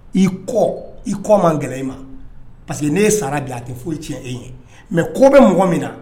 I kɔ, i kɔ mangɛlɛ i ma. Parce que ne sala bi a tɛ foyi cɛn e ɲɛ. Mais ko bɛ mɔgɔ min na